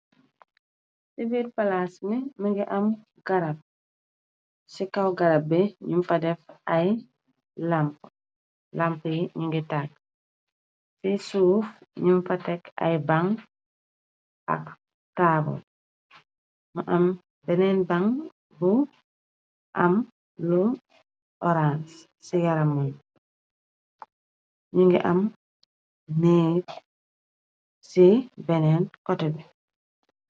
Ci biir palaas bi mogi am garab ci kaw garab bi nung fa def ay lampa lamapi yi nungi tagg ci suuf nun fa tekk ay bang ak taabal mu am beneen bang bu am lu orance ci garammuy nugi am neeg ci beneen kote bi.